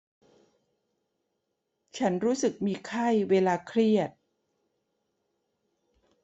ฉันรู้สึกมีไข้เวลาเครียด